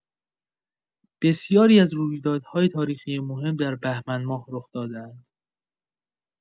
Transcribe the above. بسیاری از رویدادهای تاریخی مهم در بهمن‌ماه رخ داده‌اند.